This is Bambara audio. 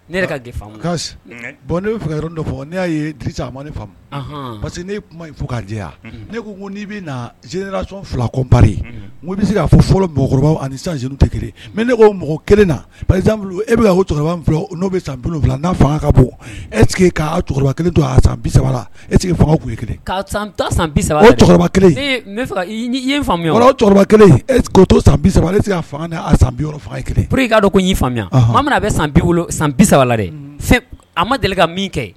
Ne bɔn ne fɔ n''a ye fa parce que kuma fo k'a n'i bɛ z filari n bɛ se k' fɔ fɔlɔkɔrɔba ani san z tɛ mɛ ne kelen na e bɛ' bɛ san n'a ka bon e kelen to san bisa e fa kelen to sansa e a san kelen i ka ko' faamuya a bɛ san bi san bisa dɛ a ma deli ka min kɛ